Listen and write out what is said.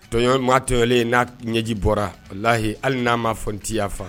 Tɔɲɔ, maa tɔɲɔlen n'a ɲɛji bɔra, walayi hali n'a ma fɔ n tɛ yafa.